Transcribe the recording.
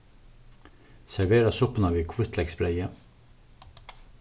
servera suppuna við hvítleyksbreyði